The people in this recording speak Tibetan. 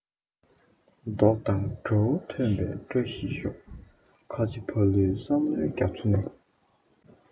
མདོག དང བྲོ བ མཐུན པའི བཀྲ ཤིས ཤོག ཁ ཆེ ཕ ལུའི བསམ བློའི རྒྱ མཚོ ནས